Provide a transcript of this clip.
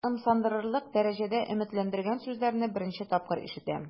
Мине ымсындырырлык дәрәҗәдә өметләндергән сүзләрне беренче тапкыр ишетәм.